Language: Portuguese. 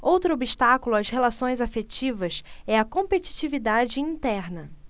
outro obstáculo às relações afetivas é a competitividade interna